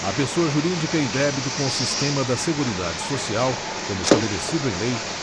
a pessoa jurídica em débito com o sistema da seguridade social como estabelecido em lei